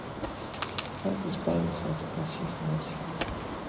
как избавиться от плохих мыслей